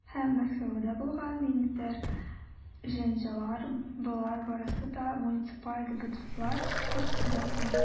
Һәм Мәскәүдә булган ниндидер җәнҗаллар, - болар барысы да муниципаль депутатлар аркасында булды.